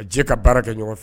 A jɛ ka baara kɛ ɲɔgɔn fɛ